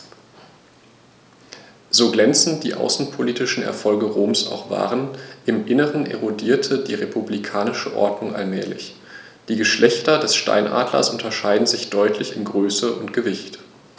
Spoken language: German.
So glänzend die außenpolitischen Erfolge Roms auch waren: Im Inneren erodierte die republikanische Ordnung allmählich. Die Geschlechter des Steinadlers unterscheiden sich deutlich in Größe und Gewicht.